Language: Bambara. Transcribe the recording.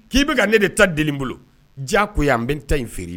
K'i bɛ ka ne de ta deli n bolo, diyagoya n bɛ n ta in feere